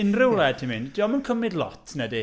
Unrhyw wlad ti'n mynd diom yn cymryd lot na 'di?